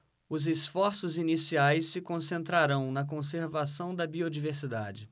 os esforços iniciais se concentrarão na conservação da biodiversidade